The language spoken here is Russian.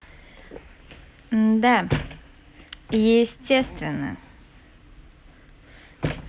da естественно